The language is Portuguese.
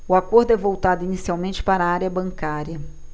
o acordo é voltado inicialmente para a área bancária